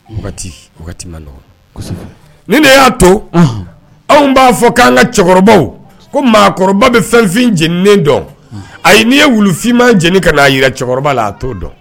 Ni waati , waati ma nɔgɔ.kɔsɛbɛ Ni de ya to anw ba fɔ kan ka cɛkɔrɔbaw. Ko maakɔrɔba bɛ fɛn fin jeninen dɔn . Ayi ni ye wulufinman jeni ka na yira cɛkɔrɔba la , a to dɔn.